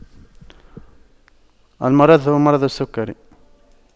المرض هو مرض السكري